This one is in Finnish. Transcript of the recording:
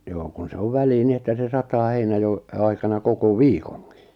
joo kun se on väliin niin että se sataa heinänajon aikana koko viikonkin